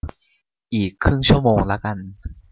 อีกครึ่งชั่วโมงละกัน